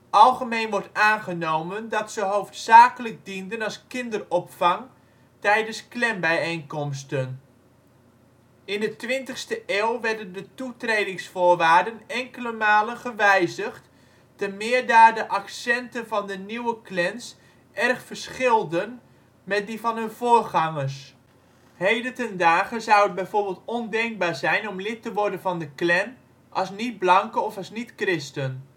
Algemeen wordt aangenomen dat ze hoofdzakelijk dienden als kinderopvang tijdens Klanbijeenkomsten. In de 20e eeuw werden de toetredingsvoorwaarden ettelijke malen gewijzigd, temeer daar de accenten van de nieuwe Klans erg verschilden met die van hun voorgangers. Heden ten dage zou het bijvoorbeeld ondenkbaar zijn om lid te worden van de Klan als niet-blanke of als niet-christen